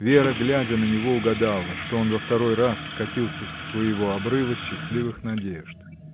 Вера, глядя на него, угадала, что он во второй раз скатился с своего обрыва счастливых надежд.